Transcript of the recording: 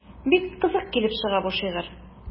Бик кызык килеп чыга бу шигырь.